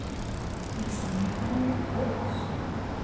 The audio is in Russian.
песня dharia august